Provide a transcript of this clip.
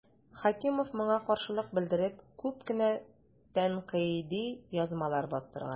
Хәкимов моңа каршылык белдереп күп кенә тәнкыйди язмалар бастырган.